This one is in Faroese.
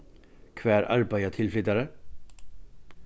hvar arbeiða tilflytarar